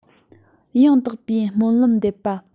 ཡང དག པའི སྨོན ལམ འདེབས པ